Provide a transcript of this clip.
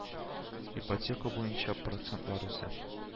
Ипотека буенча процентлар үсә